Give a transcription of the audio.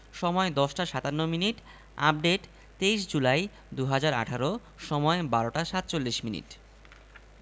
পরে বাবার কাছে পুরো ঘটনা শুনে আফসোস করে বলল ও বাবা তুমি ছেলে কী করে জিজ্ঞেস করার পর আমি পায়ের ওপর পা তুলে অন্যেরটা খাই এটা বলেছ কেন